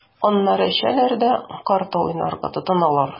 Аннары эчәләр дә карта уйнарга тотыналар.